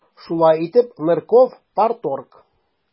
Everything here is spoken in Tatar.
Шулай итеп, Нырков - парторг.